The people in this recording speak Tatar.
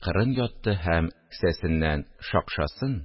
Кырын ятты һәм кесәсеннән шакшасын